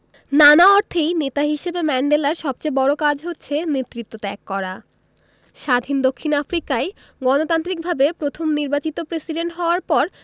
নানা অর্থেই নেতা হিসেবে ম্যান্ডেলার সবচেয়ে বড় কাজ হচ্ছে নেতৃত্ব ত্যাগ করা স্বাধীন দক্ষিণ আফ্রিকায় গণতান্ত্রিকভাবে প্রথম নির্বাচিত প্রেসিডেন্ট হওয়ার পর